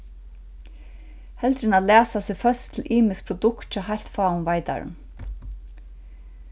heldur enn at læsa seg føst til ymisk produkt hjá heilt fáum veitarum